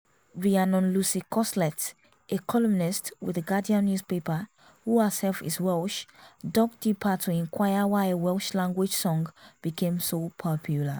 Rhiannon Lucy Cosslett, a columnist with the Guardian newspaper who herself is Welsh, dug deeper to inquire why a Welsh language song became so popular.